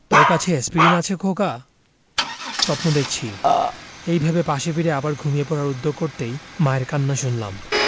তোর কাছে এ্যাসপিরিন আছে খোকা স্বপ্ন দেখছি এই ভেবে পাশে ফিরে আবার ঘুমিয়ে পড়ার উদ্যোগ করতেই মায়ের কান্না শুনলাম